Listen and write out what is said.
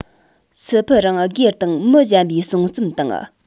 སི ཕི རེང སྒེར དང མི གཞན པའི གསུང རྩོམ དང